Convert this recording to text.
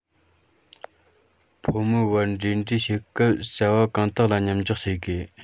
ཕོ མོའི བར འབྲེལ འདྲིས བྱེད སྐབས བྱ བ གང དག ལ མཉམ འཇོག བྱེད དགོས